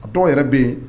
Dɔw yɛrɛ bɛ